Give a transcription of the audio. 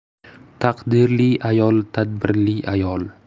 taqdirli ayol tadbirli ayol